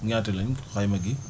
ñaata la ñu xayma gi